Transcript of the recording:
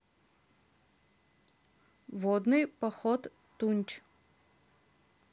водный поход тунч